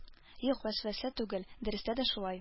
Юк, вәсвәсә түгел, дөрестә дә шулай.